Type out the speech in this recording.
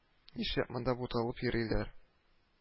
Нишләп монда буталып йөриләр